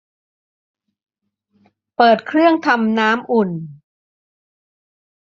เปิดเครื่องทำความน้ำอุ่น